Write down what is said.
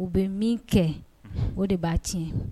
U bɛ min kɛ o de b'a tiɲɛ